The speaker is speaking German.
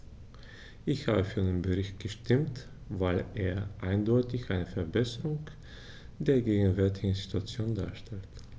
Ich habe für den Bericht gestimmt, weil er eindeutig eine Verbesserung der gegenwärtigen Situation darstellt.